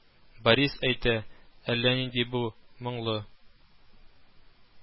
Борис әйтә, әллә инде бу моңлы